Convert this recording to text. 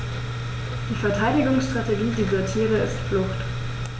Die Verteidigungsstrategie dieser Tiere ist Flucht.